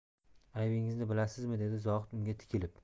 aybingizni bilasizmi dedi zohid unga tikilib